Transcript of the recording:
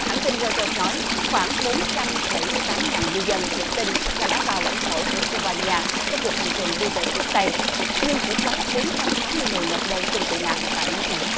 hãng tin roai tơ nói khoảng bốn trăm bảy mươi tám ngàn di dân được tin là đã vào lãnh thổ của xu va ni a trong cuộc hành trình đi về hướng tây nhưng chỉ có bốn trăm sáu mươi người nộp đơn xin tị nạn tại nước này